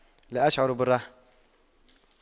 لا أشعر بالراحة